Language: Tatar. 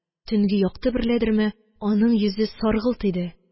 Төнге якты берләдерме – аның йөзе саргылт иде